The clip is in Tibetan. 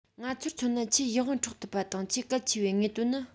ང ཚོར མཚོན ན ཆེས ཡིད དབང འཕྲོག ཐུབ པ དང ཆེས གལ ཆེ བའི དངོས དོན ནི